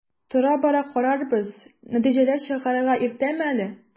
Тора-бара карарбыз, нәтиҗәләр чыгарырга иртәме әле?